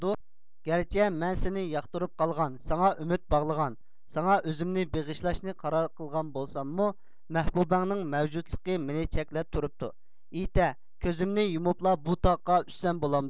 گەرچە مەن سېنى ياقتۇرۇپ قالغان ساڭا ئۈمۈد باغلىغان ساڭا ئۆزۈمنى بېغىشلاشنى قارار قىلغان بولساممۇ مەھبۇبەڭنىڭ مەۋجۇتلۇقى مېنى چەكلەپ تۇرۇپتۇ ئېيتە كۆزۈمنى يۇمۇپلا بۇ تاغقا ئۈسسەم بولامدۇ